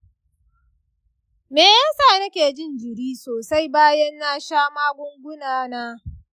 me ya sa nake jin jiri sosai bayan na sha magunguna na?